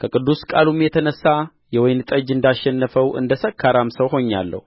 ከቅዱስ ቃሉም የተነሣ የወይን ጠጅ እንዳሸነፈው እንደ ሰካራም ሰው ሆኛለሁ